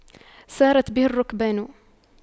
سارت به الرُّكْبانُ